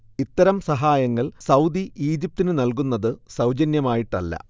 ഇത്തരം സഹായങ്ങൾ സൗദി ഈജ്പിതിന് നൽകുന്നത് സൗജന്യമായിട്ടല്ല